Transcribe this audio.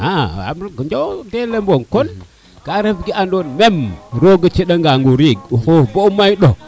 aha waw te lemoŋ kon ka ref ke andon meme rooga coɗa ngan o riig o xoox bo may ɗox